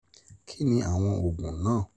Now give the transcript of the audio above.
"Kíni àwọn oògùn náà?